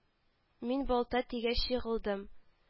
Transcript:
Мин балта тигәч егылдым